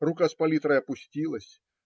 Рука с палитрой опустилась